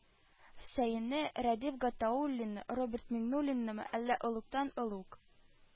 Хөсәенне, Рәдиф Гатауллинны, Роберт Миңнуллиннымы, әллә олугтан-олуг